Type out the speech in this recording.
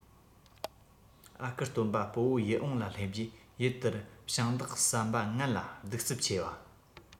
ཨ ཁུ སྟོན པ སྤོ བོ ཡིད འོང ལ སླེབས རྗེས ཡུལ དེར ཞིང བདག བསམ པ ངན ལ གདུག རྩུབ ཆེ བ